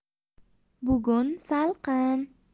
bugun salqin